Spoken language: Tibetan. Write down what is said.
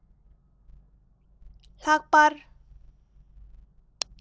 ལྷག པར